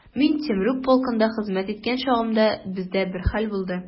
Мин Темрюк полкында хезмәт иткән чагымда, бездә бер хәл булды.